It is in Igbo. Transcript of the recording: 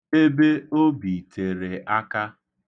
Ebe o bi tere aka.